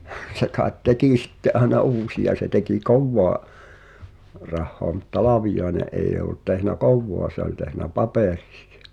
se kai teki sitten aina uusia se teki kovaa rahaa mutta Talviainen ei ollut tehnyt kovaa se oli tehnyt paperisia